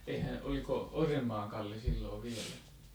eihän oliko Orrenmaan Kalle silloin vielä